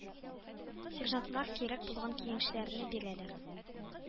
Сержантлар кирәк булган киңәшләрне бирәләр.